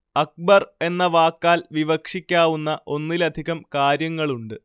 അക്ബർ എന്ന വാക്കാൽ വിവക്ഷിക്കാവുന്ന ഒന്നിലധികം കാര്യങ്ങളുണ്ട്